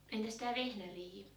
entäs tämä vehnäriihi